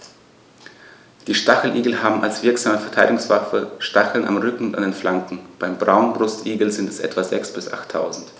Die Stacheligel haben als wirksame Verteidigungswaffe Stacheln am Rücken und an den Flanken (beim Braunbrustigel sind es etwa sechs- bis achttausend).